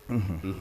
Un